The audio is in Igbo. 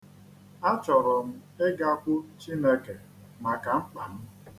Achọrọ m igakwu Chineke maka mkpa m.